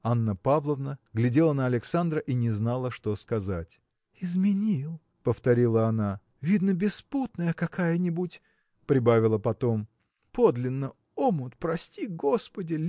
Анна Павловна глядела на Александра и не знала, что сказать. – Изменил!. – повторила она. – Видно, беспутная какая-нибудь! – прибавила потом. – Подлинно омут, прости господи